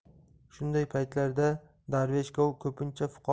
shunday paytlarda darvesh gov ko'pincha fuqaroning tomonini